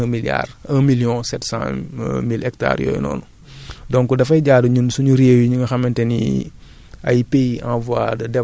te am na yeneen formes de dégradation yu nga xamante ni xeetu yàqu-yàqu suuf yi nga xamante ni boole wu ñu ko ci un milliard un million sept cent mille hectares yooyu noonu